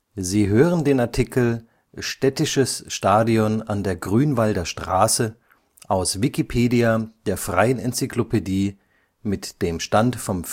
Sie hören den Artikel Städtisches Stadion an der Grünwalder Straße, aus Wikipedia, der freien Enzyklopädie. Mit dem Stand vom